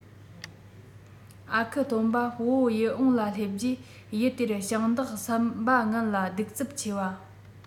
ཨ ཁུ སྟོན པ སྤོ བོ ཡིད འོང ལ སླེབས རྗེས ཡུལ དེར ཞིང བདག བསམ པ ངན ལ གདུག རྩུབ ཆེ བ